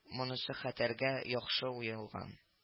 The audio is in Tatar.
Монысы хәтәргә яхшы уелган